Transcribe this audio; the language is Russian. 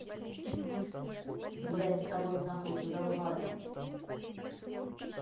блядь с тобой нахуй задолбали